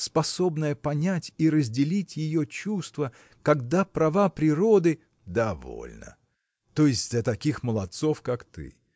способное понять и разделить ее чувства когда права природы. – Довольно! то есть за таких молодцов, как ты.